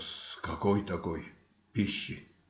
- С какой такой пищи?